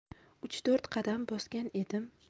uch to'rt qadam bosgan edim